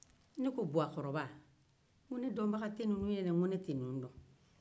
ne ko buwakɔrɔba ne tɛ ninnu dɔn